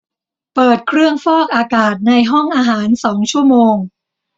เปิดเครื่องฟอกอากาศในห้องอาหารสองชั่วโมง